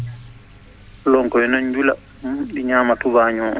kullon kon noon njula ɗi ñaama tubaañoo o